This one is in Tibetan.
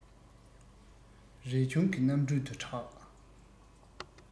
རས ཆུང གི རྣམ སྤྲུལ དུ གྲགས